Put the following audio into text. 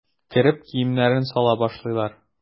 Кереп киемнәрен сала башлыйлар.